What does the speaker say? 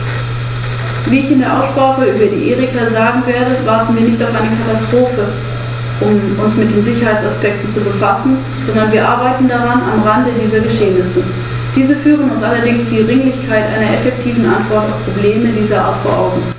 Nach der Tagesordnung folgt der Bericht von Herrn Koch im Namen des Ausschusses für Regionalpolitik, Verkehr und Fremdenverkehr für eine Richtlinie des Europäischen Parlament und des Rates zur Änderung der Richtlinie zur Angleichung der Rechtsvorschriften der Mitgliedstaaten für den Gefahrguttransport auf der Straße.